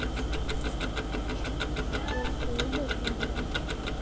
okko выбор жанра